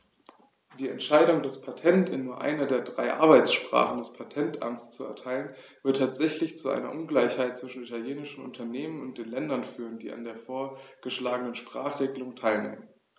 Die Entscheidung, das Patent in nur einer der drei Arbeitssprachen des Patentamts zu erteilen, wird tatsächlich zu einer Ungleichheit zwischen italienischen Unternehmen und den Ländern führen, die an der vorgeschlagenen Sprachregelung teilnehmen.